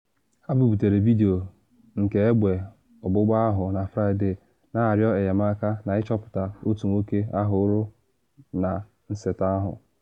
Ha buputere vidio nke egbe ọgbụgba ahụ na Fraịde, na arịọ enyemaka na ịchọpụta otu nwoke ahụrụ na nseta ahụ.